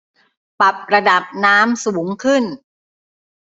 ปรับระดับน้ำสูงขึ้น